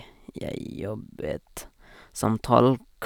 Jeg jobbet som tolk.